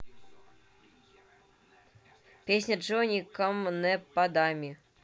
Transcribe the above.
песня johnny камнепадами